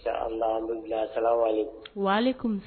Salahu an bi bila yan. Salamuhalekum, walekum